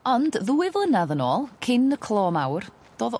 Ond ddwy flynadd yn ôl, cyn y clo mawr, do'dd...